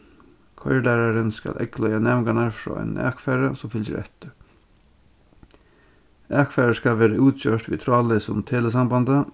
koyrilærarin skal eygleiða næmingarnar frá einum akfari sum fylgir eftir akfarið skal vera útgjørt við tráðleysum telesambandi